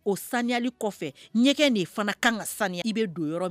O saniyali kɔfɛ ɲɛkin dd fana kan ka saniya i bɛ don yɔrɔ